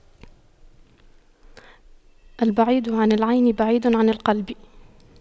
البعيد عن العين بعيد عن القلب